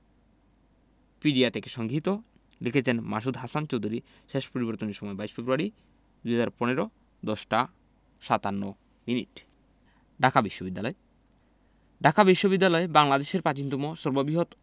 পিডিয়া থেকে সংগৃহীত লিখেছেন মাসুদ হাসান চৌধুরী শেষ পরিবর্তনের সময় ২২ ফেব্রুয়ারি ২০১৫ ১০ টা ৫৭ মিনিট ঢাকা বিশ্ববিদ্যালয় ঢাকা বিশ্ববিদ্যালয় বাংলাদেশের প্রাচীনতম সর্ববৃহৎ